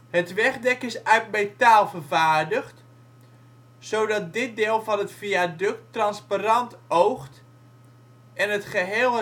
Het wegdek is uit metaal vervaardigd, zodat dit deel van het viaduct transparant oogt en het geheel